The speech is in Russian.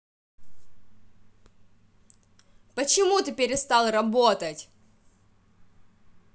почему ты перестал работать